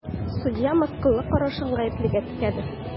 Судья мыскыллы карашын гаеплегә текәде.